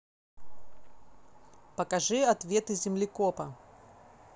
покажи ответы землекопа